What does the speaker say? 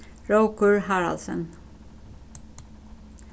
rókur haraldsen